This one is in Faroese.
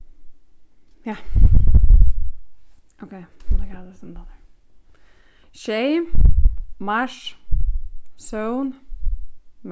ja ókey eg má líka hava tað eitt sindur tættari sjey mars søvn